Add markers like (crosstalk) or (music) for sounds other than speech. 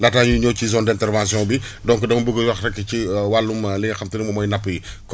laataa ñuy ñëw ci zones d' interventions bi donc dama bëgg wax rek ci (hesitation) wàllum li nga xam te ne moom mooy napp yi (breath)